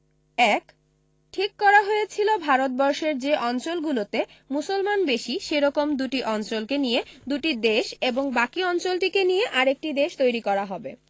১ ঠিক করা হয়েছিল ভারতবর্ষের যে অঞ্চলগুলোতে মুসলমান বেশি সেরকম দুটি অঞ্চলকে নিয়ে দুটি দেশ এবং বাকি অঞ্চলটিকে নিয়ে আর একটি দেশ তৈরি করা হবে